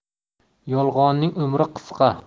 yolg'onning umri qisqa